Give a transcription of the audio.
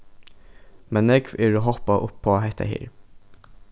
men nógv eru hoppað upp á hetta her